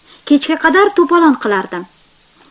kechga qadar to'polon qilardim